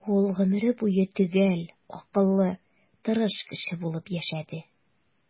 Ул гомере буе төгәл, акыллы, тырыш кеше булып яшәде.